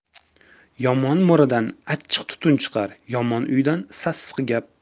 yomon mo'ridan achchiq tutun chiqar yomon uydan sassiq gap